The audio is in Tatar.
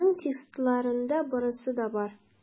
Аның текстларында барысы да бар.